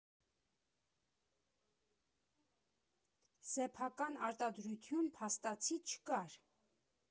Սեփական արտադրություն փաստացի չկար։